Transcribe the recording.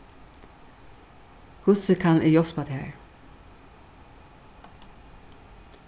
hvussu kann eg hjálpa tær